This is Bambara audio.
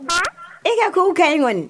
I ka k kɛ e ɲɔgɔnɔni